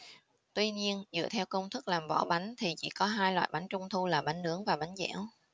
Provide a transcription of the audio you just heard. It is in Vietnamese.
tuy nhiên dựa theo công thức làm vỏ bánh thì chỉ có hai loại bánh trung thu là bánh nướng và bánh dẻo